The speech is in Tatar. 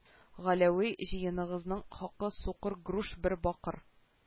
Галәви җыеныгызның хакы сукыр груш бер бакыр